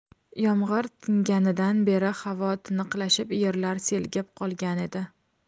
yomg'ir tinganidan beri havo tiniqlashib yerlar selgib qolgan edi